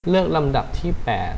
เลือกลำดับที่แปด